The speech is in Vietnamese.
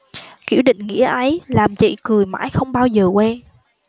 kiểu định nghĩa ấy làm chị cười mãi không bao giờ quên